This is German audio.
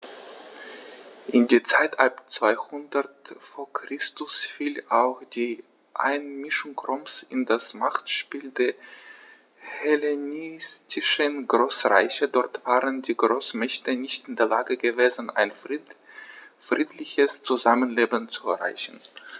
In die Zeit ab 200 v. Chr. fiel auch die Einmischung Roms in das Machtspiel der hellenistischen Großreiche: Dort waren die Großmächte nicht in der Lage gewesen, ein friedliches Zusammenleben zu erreichen.